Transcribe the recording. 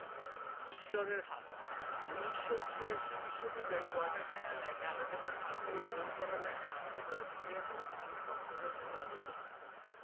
ঈশ্বরের হাত ১৯৮৬ বিশ্বকাপের কোয়ার্টার ফাইনালে ম্যারাডোনার হাত দিয়ে গোল করাটা এখনো ব্রাজিলিয়ান ও ইংলিশ ভক্তদের মূল আলোচনা